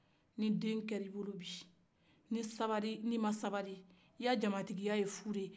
ni den kɛra i bolo bi ni sabari-n'i ma sabari i ka jamatigiya ye fu de ye